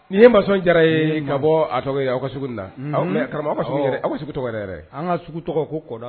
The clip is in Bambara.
Ni ye masɔn jara ye ka bɔ a tɔgɔ ka sugu in na. awɔ karamɔgɔ aw ka sugu yɛrɛ aw ka sugu tɔgɔ yɛrɛ yɛrɛ . Anw ka sugu tɔgɔ ye ko kɔ